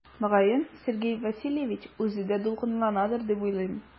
Мөгаен Сергей Васильевич үзе дә дулкынланадыр дип уйлыйм.